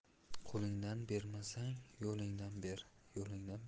qo'lingdan bermasang yo'lingdan ber